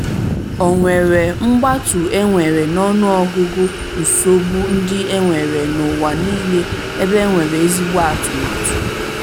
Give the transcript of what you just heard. GV: O nwere mgbatu e nwere n'ọnụọgụ nsogbu ndi e nwere n'ụwa niile ebe e nwere ezigbo Atụmatụ?